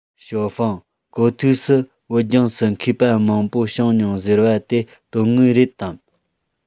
ཞའོ ཧྥུང གོ ཐོས སུ བོད ལྗོངས སུ མཁས པ མང པོ བྱུང མྱོང ཟེར བ དེ དོན དངོས རེད དམ